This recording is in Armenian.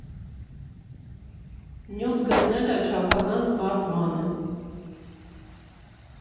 Նյութ գտնելը չափազանց բարդ բան է։